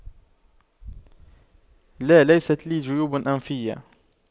لا ليست لي جيوب أنفية